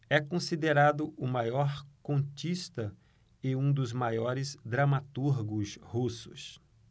é considerado o maior contista e um dos maiores dramaturgos russos